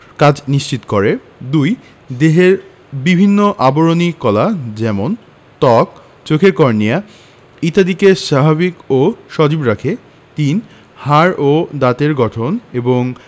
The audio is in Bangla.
কাজ নিশ্চিত করে ২. দেহের বিভিন্ন আবরণী কলা যেমন ত্বক চোখের কর্নিয়া ইত্যাদিকে স্বাভাবিক ও সজীব রাখে ৩. হাড় এবং দাঁতের গঠন এবং